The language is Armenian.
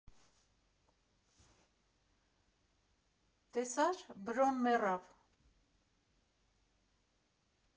«Տեսա՞ր, Բրոն մեռավ»։